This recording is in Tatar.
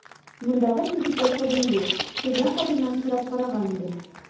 Мондагы кибеттә сабын юк, хуҗа хатыннан сорап караган идем.